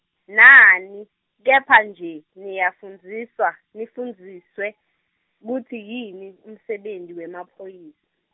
nani, kepha nje, niyafundziswa, nifundziswe, kutsi yini, umsebenti wemaphoyis-.